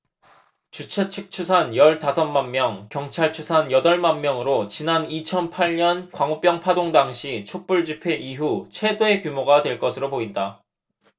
주최측 추산 열 다섯 만명 경찰 추산 여덟 만명으로 지난 이천 팔 년 광우병 파동 당시 촛불집회 이후 최대 규모가 될 것으로 보인다